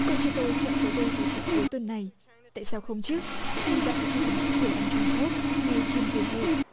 con trai tôi chọn tới đây vào dịp cuối tuần này tại sao không chứ khi bạn có thể thưởng thức đồ ăn trung quốc ngay trên vỉa hè